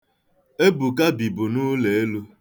Ebuka bibu n'ụlọ elu.